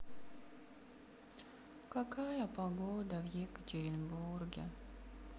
какая погода в екатеринбурге